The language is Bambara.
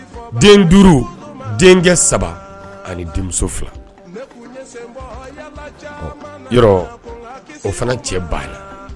Den duuru, denkɛ saba, ani denmuso fila, yɔrɔ o fana cɛ banna